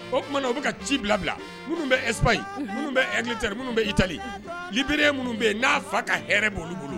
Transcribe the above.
O t tuma na u bɛ ka ci bila bila minnu bɛ esp minnu bɛ ta minnu bɛ i tali b minnu bɛ yen n'a fa ka hɛrɛ b' olu bolo